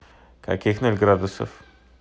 каких ноль градусов